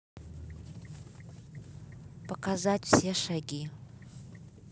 показать все шаги